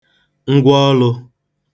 ngwaọlụ̄